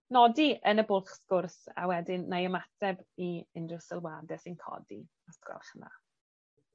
nodi yn y bwlch sgwrs a wedyn nâi ymateb i unryw sylwade sy' n codi os gwelwch yn dda.